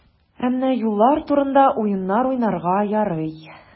Ә менә юллар турында уеннар уйнарга ярый.